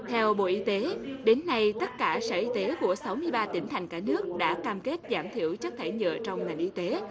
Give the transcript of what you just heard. theo bộ y tế đến nay tất cả sở y tế của sáu mươi ba tỉnh thành cả nước đã cam kết giảm thiểu chất thải nhựa trong ngành y tế